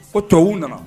Ko tɔbabu u nana